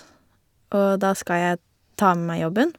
Og da skal jeg ta med meg jobben.